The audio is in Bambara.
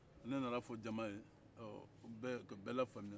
ne nana fɔ cama ye ka bɛɛ lafaamuya